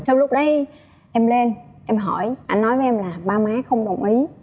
sau lúc đấy em lên em hỏi ảnh nói với em là ba má không đồng ý